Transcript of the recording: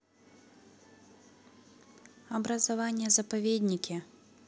образование заповедники